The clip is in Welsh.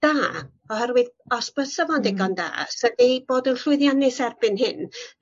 da oherwydd os bysa fo'n digon da se ddi bod yn llwyddiannus erbyn hyn